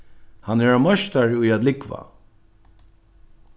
hann er ein meistari í at lúgva